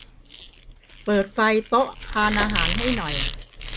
เปิดไฟโต๊ะทานอาหารให้หน่อย